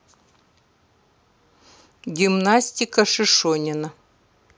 гимнастика шишонина